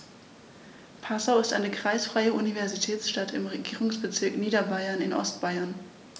Passau ist eine kreisfreie Universitätsstadt im Regierungsbezirk Niederbayern in Ostbayern.